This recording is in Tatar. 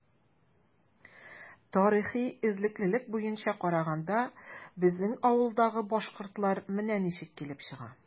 Тарихи эзлеклелек буенча караганда, безнең авылдагы “башкортлар” менә ничек килеп чыга.